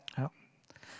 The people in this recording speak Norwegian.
ja.